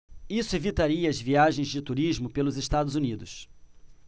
isso evitaria as viagens de turismo pelos estados unidos